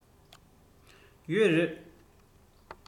ཡོད རེད